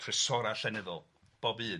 Tresorau llenyddol, bob un.